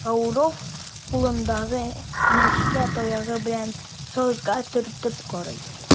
Кауров кулындагы нечкә таягы белән сазга төртеп карый.